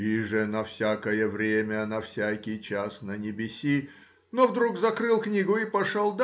Иже на всякое время, на всякий час на небеси, но вдруг закрыл книгу и пошел